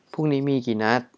พรุ่งนี้มีกี่นัด